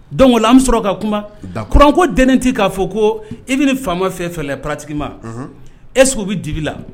Donc an bɛ sɔrɔ ka kuma d'accord, courant ko dɛnen tɛ k'a fɔ k'i bɛ ni faama fɛn fɛn la pratiquement , unhun, est-ce que u bɛ dibi la?